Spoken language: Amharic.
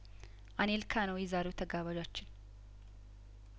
አኔልካ ነው የዛሬው ተጋባዣችን